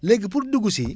léegi pour dugg si